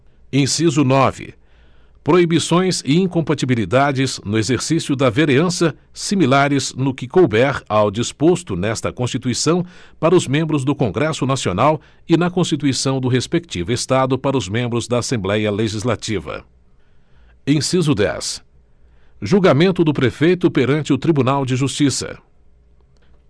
inciso nove proibições e incompatibilidades no exercício da vereança similares no que couber ao disposto nesta constituição para os membros do congresso nacional e na constituição do respectivo estado para os membros da assembléia legislativa inciso dez julgamento do prefeito perante o tribunal de justiça